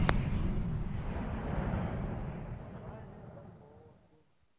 включи музыкальную подборку